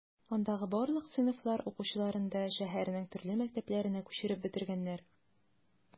Андагы барлык сыйныфлар укучыларын да шәһәрнең төрле мәктәпләренә күчереп бетергәннәр.